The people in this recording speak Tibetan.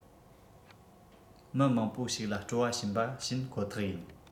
མི མང པོ ཞིག ལ སྤྲོ བ བྱིན པ བྱིན ཁོ ཐག ཡིན